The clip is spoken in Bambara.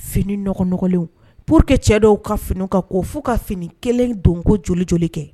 Fini nɔgɔɔgɔlenw pour quecɛ dɔw ka fini ka koo fo ka fini kelen don ko joli joli kɛ